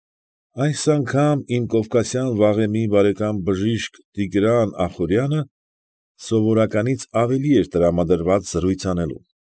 Այս անգամ իմ կովկասյան վաղեմի բարեկամ բժիշկ Տիգրան Ախուրյանը սովորականից ավելի էր տրամադրված զրույց անելու։